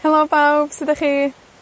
Helo bawb, sud 'dach chi?